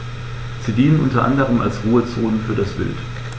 Sie dienen unter anderem als Ruhezonen für das Wild.